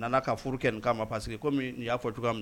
A nana ka furu kɛ nin k kama ma parceri que y'a fɔ cogoya minɛ na